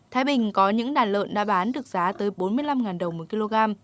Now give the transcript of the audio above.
thái bình có những đàn lợn đã bán được giá tới bốn mươi lăm ngàn đồng một ki lô gam